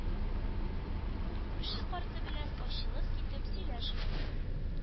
Күрше карты белән ачылып китеп сөйләшмәде,